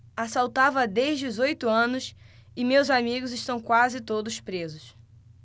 assaltava desde os oito anos e meus amigos estão quase todos presos